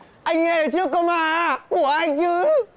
anh nghe thấy trước cơ mà của anh chứ